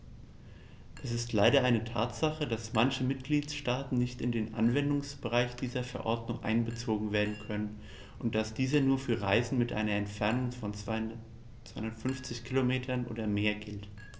Es ist leider eine Tatsache, dass manche Mitgliedstaaten nicht in den Anwendungsbereich dieser Verordnung einbezogen werden können und dass diese nur für Reisen mit einer Entfernung von 250 km oder mehr gilt.